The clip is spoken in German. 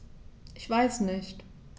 Ich weiß nicht.